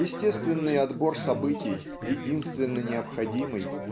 Естественный отбор событий единственно необходимый